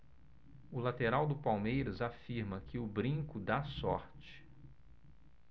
o lateral do palmeiras afirma que o brinco dá sorte